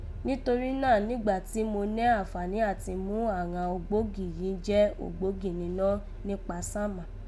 Nítorí náà, nígbà tí mo nẹ́ àǹfààní àti mú àghan ògbógi yìí jẹ́ ògbógi ninọ́ níkpa sánmà